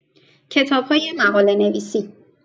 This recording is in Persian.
کتاب‌های مقاله‌نویسی